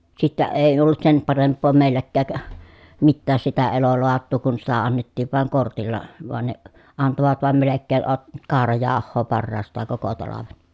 sitten ei ollut sen parempaa meilläkään mitään sitä elolaatua kun sitä annettiin vain kortilla vaan ne antoivat vain melkein - kaurajauhoa parhaastaan koko talven